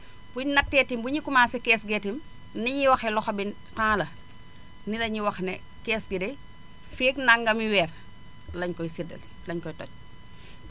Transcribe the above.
bu ñu nattee tamit bu ñuy commencé kees gi itam ni ñuy waxee loxo bi tant la ni la ñuy wax ne kees gi de feeg nangami weer lañu koy séddale lañu koy toj